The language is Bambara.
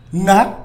Na